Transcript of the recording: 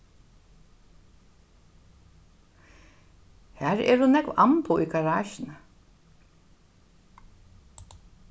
har eru nógv amboð í garasjuni